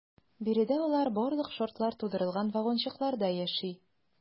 Биредә алар барлык шартлар тудырылган вагончыкларда яши.